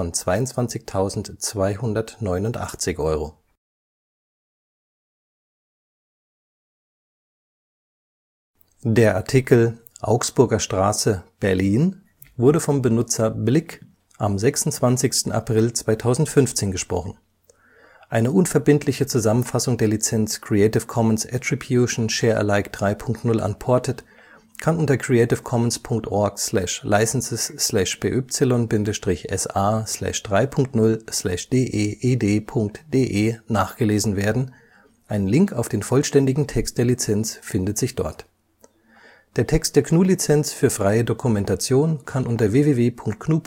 22.289